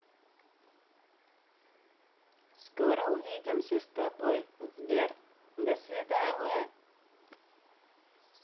скоро увидимся с тобой сбер до свидания